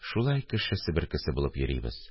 Шулай кеше себеркесе булып йөрибез